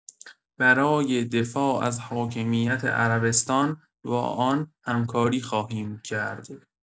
برای دفاع از حاکمیت عربستان با آن همکاری خواهیم کرد.